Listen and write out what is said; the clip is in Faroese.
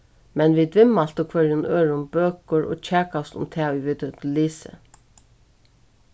men vit viðmæltu hvørjum øðrum bøkur og kjakaðust um tað ið vit høvdu lisið